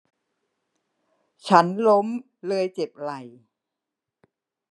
ฉันล้มเลยเจ็บไหล่